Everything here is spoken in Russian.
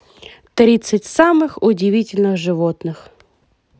тридцать самых удивительных животных